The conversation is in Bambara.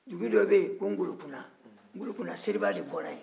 dugu dɔ bɛ yen ko ngolokunna ngolokunna seriba ka dugu ye